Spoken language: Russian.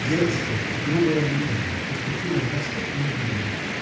Дерзкая и грубая мина уступила место унынию.